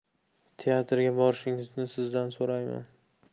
teatrga borishni sizdan so'rayman